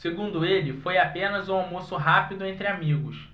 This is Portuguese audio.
segundo ele foi apenas um almoço rápido entre amigos